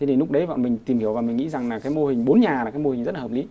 đến lúc đấy bọn mình tìm hiểu và mình nghĩ rằng là cái mô hình bốn nhà là cái mô hình rất hợp lý